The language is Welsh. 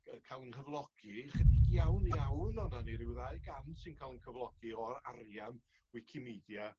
yy ca'l yng nghyflogi ychydig iawn iawn onon ni ryw ddau gant sy'n ca'l 'yn cyflogi o'r arian wicimedia